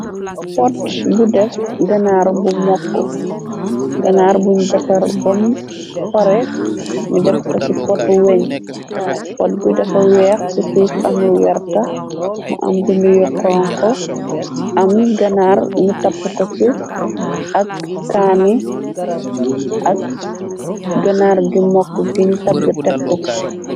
Pot bu def ganaar bu mokk ganaar buñ dafar bam pare ñu def ko ci pot weñ pot bi dafa weex ci suuf am lu werta mu am bindu yokoon ko am ganaar ñu tapp ko ci ak kaani ak ganaar gi mokk giñ tagg tek ko ci.